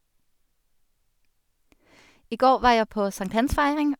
I går var jeg på sankthansfeiring.